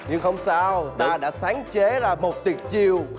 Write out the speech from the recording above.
nhưng không sao ta đã sáng chế ra một tuyệt chiêu